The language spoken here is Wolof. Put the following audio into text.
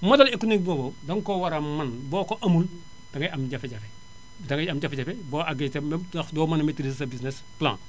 modèle économique boobu danga koo war a mën boo ko amul dangay am jafe-jafe dangay am jafe-jafe boo àggee ca ndax doo mën a maitrisé sa business plan